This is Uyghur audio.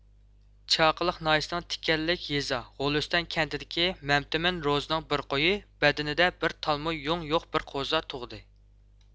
چاقىلىق ناھىيىسىنىڭ تىكەنلىك يېزا غولئۆستەڭ كەنتىدىكى مەمەتئىمىن روزىنىڭ بىر قويى بەدىنىدە بىر تالمۇ يۇڭ يوق بىر قوزا تۇغدى